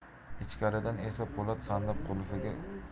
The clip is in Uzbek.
ichkaridan esa po'lat sandiq